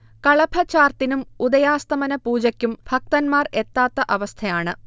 കളഭച്ചാർത്തിനും ഉദയാസ്തമന പൂജക്കും ഭക്തന്മാർ എത്താത്ത അവസ്ഥയാണ്